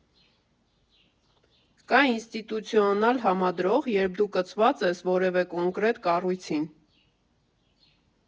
Կա ինստիտուցիոնալ համադրող, երբ դու կցված ես որևէ կոնկրետ կառույցին։